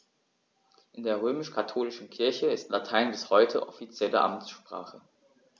In der römisch-katholischen Kirche ist Latein bis heute offizielle Amtssprache.